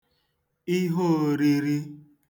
ihe ōrīrī